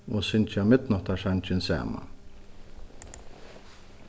og syngja midnáttarsangin saman